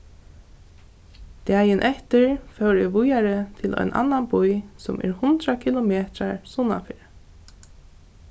dagin eftir fór eg víðari til ein annan bý sum er hundrað kilometrar sunnanfyri